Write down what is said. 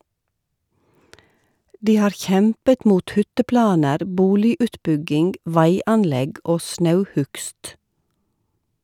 De har kjempet mot hytteplaner, boligutbygging, veianlegg og snauhugst.